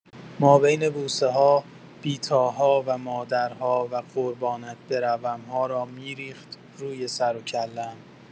مابین بوسه‌ها"بی‌تاها"و"مادرها"و"قربانت بروم‌ها"را می‌ریخت روی سروکله‌ام.